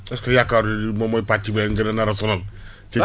est ce que yaakaaroo ni moom mooy pàcc bi leen gën a nar a sonal ci